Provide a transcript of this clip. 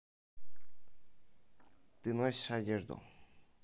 ты носишь одежду